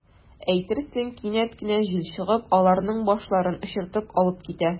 Әйтерсең, кинәт кенә җил чыгып, аларның “башларын” очыртып алып китә.